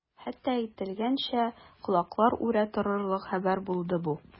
Хатта әйтелгәнчә, колаклар үрә торырлык хәбәр булды бу.